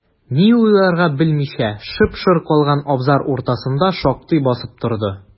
Ни уйларга белмичә, шып-шыр калган абзар уртасында шактый басып торды.